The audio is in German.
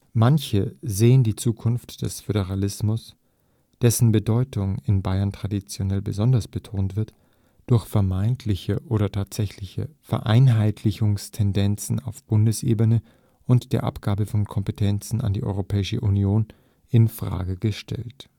Manche sehen die Zukunft des Föderalismus, dessen Bedeutung in Bayern traditionell besonders betont wird, durch vermeintliche oder tatsächliche " Vereinheitlichungstendenzen " auf Bundesebene und der Abgabe von Kompetenzen an die Europäische Union in Frage gestellt